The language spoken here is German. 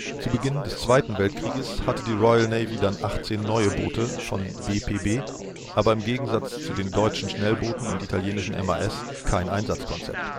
Zu Beginn des Zweiten Weltkrieges hatte die Royal Navy dann 18 neue Boote von BPB, aber im Gegensatz zu den deutschen Schnellbooten und italienischen MAS kein Einsatzkonzept